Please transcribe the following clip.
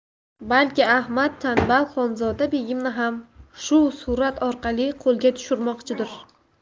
balki ahmad tanbal xonzoda begimni ham shu surat orqali qo'lga tushirmoqchidir